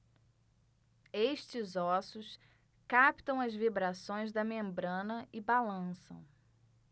estes ossos captam as vibrações da membrana e balançam